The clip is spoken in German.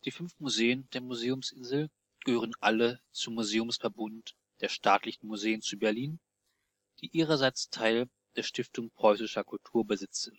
fünf Museen der Museumsinsel gehören alle zum Museumsverbund der Staatlichen Museen zu Berlin, die ihrerseits Teil der Stiftung Preußischer Kulturbesitz